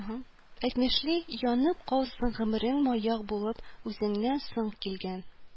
Әйтмешли, «янып калсын гомерең маяк булып үзеңнән соң килгән